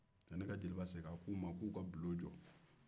yanni ka jeliba segin a ko u ma k'u ka bulon jɔ